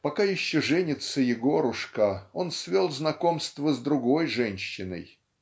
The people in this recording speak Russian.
" Пока еще женится Егорушка, он свел знакомство с другой женщиной.